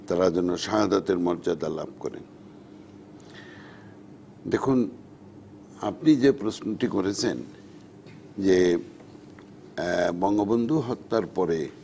তারা যেন শাহাদাতের মর্যাদা লাভ করেন দেখুন আপনি যে প্রশ্নটি করেছেন যে বঙ্গবন্ধু হত্যার পরে